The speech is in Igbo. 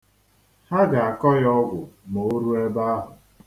Ha ga-akọ ya ọgwụ ma o ruo ebe ahụ.